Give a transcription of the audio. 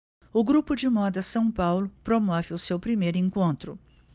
o grupo de moda são paulo promove o seu primeiro encontro